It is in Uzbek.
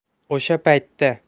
o'sha paytda